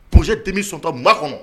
ma kɔnɔ